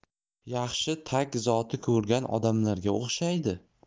yaxshi tag zoti ko'rgan odamlarga o'xshaydi